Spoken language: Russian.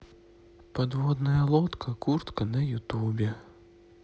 подводная лодка куртка на ютубе